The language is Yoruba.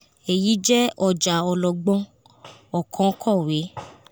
Eyi jẹ ọja ọlọgbọn,"ọkan kọwe.